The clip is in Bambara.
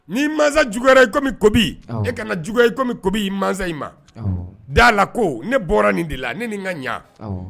Ni mansa juguya komi , awɔ, e kana juguyai komi i mansa in ma, d'a la ko ne bɔra nin de la, ne nin ka ɲa, awɔ